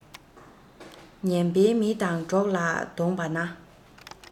ངན པའི མི དང གྲོགས ལ བསྡོངས པ ན